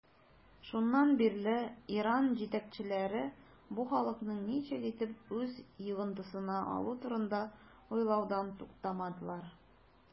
Шуннан бирле Иран җитәкчеләре бу халыкны ничек итеп үз йогынтысына алу турында уйлаудан туктамадылар.